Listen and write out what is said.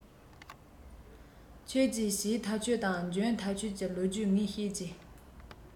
ཁྱོད ཀྱིས བྱས ཐག ཆོད དང འཇོན ཐག ཆོད ཀྱི ལོ རྒྱུས ངས བཤད ཀྱིས